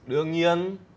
đương nhiên